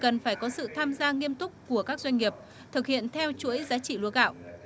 cần phải có sự tham gia nghiêm túc của các doanh nghiệp thực hiện theo chuỗi giá trị lúa gạo